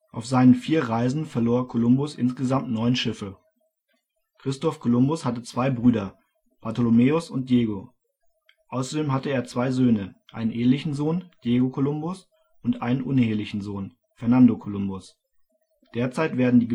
Auf seinen vier Reisen verlor Kolumbus insgesamt neun Schiffe. Christoph Kolumbus hatte zwei Brüder, Bartholomäus und Diego. Außerdem hatte er zwei Söhne, einen ehelichen Sohn, Diego Kolumbus, und einen unehelichen Sohn, Fernando Kolumbus. Derzeit werden